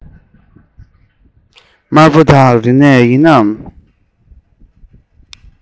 དམར པོ དག རིག གནས ཡིན ནམ